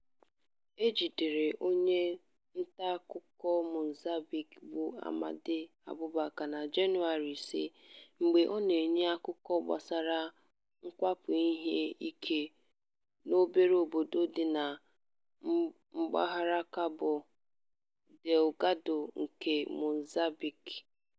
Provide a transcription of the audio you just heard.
E jidere onye ntaakụkọ Mozambique bụ Amade Abubacar na Jenụwarị 5, mgbe ọ na-enye akụkọ gbasara mwakpo ihe ike n'obere obodo dị na mpaghara Cabo Delgado nke Mozambique.